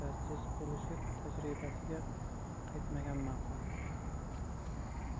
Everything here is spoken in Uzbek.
bo'lishi tajribasiga qaytmagan ma'qul